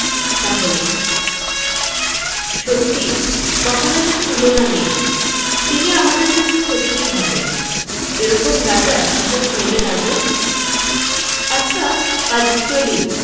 তাহলে সত্যিই মহারাজের তুলনা নেই তিনি আমাদের জন্য সত্যিই ভাবেন এরকম রাজা সহজে মেলে নাগো আচ্ছা আজ চলি